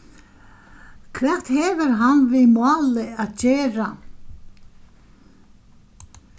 hvat hevur hann við málið at gera